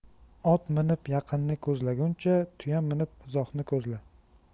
ot minib yaqinni ko'zlaguncha tuya minib uzoqni ko'zla